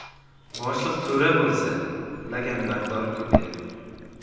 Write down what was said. boshliq to'ra bo'lsa laganbardor ko'payar